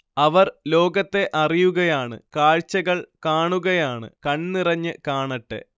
അവർ ലോകത്തെ അറിയുകയാണ് കാഴ്ചകൾ കാണുകയാണ് കൺനിറഞ്ഞ് കാണട്ടെ